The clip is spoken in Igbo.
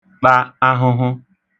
ta ahụhụ